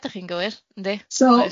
Ie, dach chi'n gywir, yndi? Oes.